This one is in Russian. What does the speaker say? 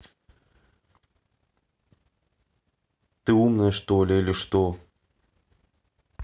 ты умная что ли или что